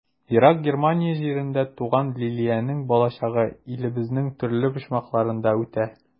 Ерак Германия җирендә туган Лилиянең балачагы илебезнең төрле почмакларында үтә.